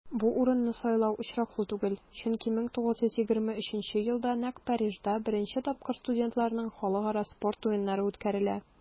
Бу урынны сайлау очраклы түгел, чөнки 1923 елда нәкъ Парижда беренче тапкыр студентларның Халыкара спорт уеннары үткәрелә.